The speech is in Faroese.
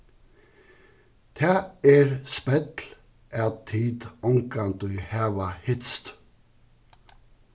tað er spell at tit ongantíð hava hitst